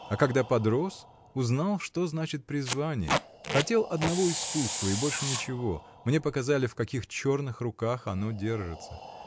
А когда подрос, узнал, что значит призвание — хотел одного искусства и больше ничего, — мне показали, в каких черных руках оно держится.